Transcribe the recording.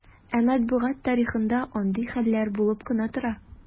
Ә матбугат тарихында андый хәлләр булып кына тора.